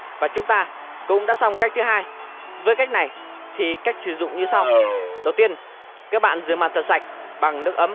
và chúng ta cũng đã xong cách thứ với cách này thì cách sử dụng như sau đầu tiên rửa mặt thật sạch bằng nước ấm